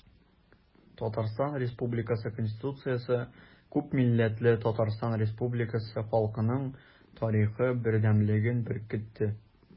Татарстан Республикасы Конституциясе күпмилләтле Татарстан Республикасы халкының тарихы бердәмлеген беркетте.